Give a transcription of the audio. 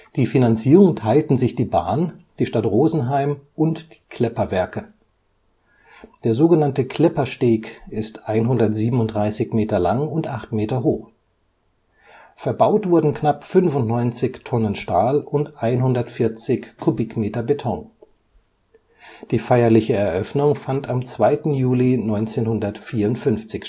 Die Finanzierung teilten sich die Bahn, die Stadt Rosenheim und die Klepper-Werke. Der sogenannte Kleppersteg ist 137 Meter lang und 8 Meter hoch. Verbaut wurden knapp 95 Tonnen Stahl und 140 Kubikmeter Beton. Die feierliche Eröffnung fand am 2. Juli 1954